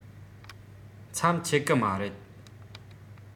མཚམས ཆད གི མ རེད